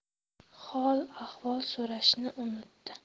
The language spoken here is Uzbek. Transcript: hol ahvol so'rashni unutdi